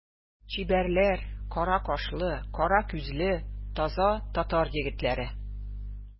Чибәрләр, кара кашлы, кара күзле таза татар егетләре.